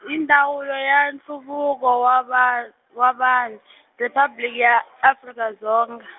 Ndzawulo ya Nhluvuko wa va-, wa Vanhu Riphabliki ya Afrika Dzonga.